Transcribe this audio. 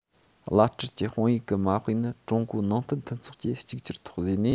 བླ སྤྲུལ གྱི དཔང ཡིག གི མ དཔེ ནི ཀྲུང གོའི ནང བསྟན མཐུན ཚོགས ཀྱིས གཅིག གྱུར ཐོག བཟོས ནས